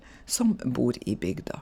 Som bor i bygda.